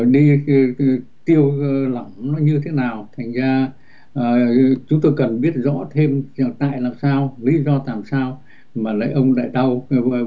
đi tiêu đi tiêu lỏng như thế nào thành ra chúng tôi cần biết rõ thêm hiểu tại làm sao lý do tại sao mà lấy ông lại đau